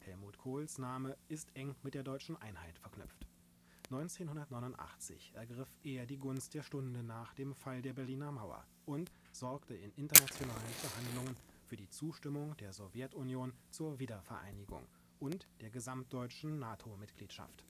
Helmut Kohls Name ist eng mit der Deutschen Einheit verknüpft: 1989 ergriff er die Gunst der Stunde nach dem Fall der Berliner Mauer und sorgte in internationalen Verhandlungen für die Zustimmung der Sowjetunion zur Wiedervereinigung und der gesamtdeutschen NATO-Mitgliedschaft